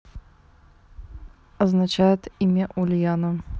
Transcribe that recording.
означает имя ульяна